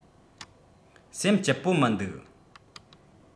སེམས སྐྱིད པོ མི འདུག